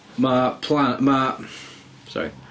Ma' plan... ma'... . Sori.